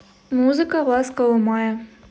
музыка ласкового мая